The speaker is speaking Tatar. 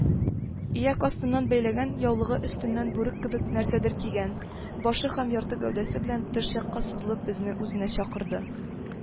Ияк астыннан бәйләгән яулыгы өстеннән бүрек кебек нәрсәдер кигән башы һәм ярты гәүдәсе белән тыш якка сузылып безне үзенә чакырды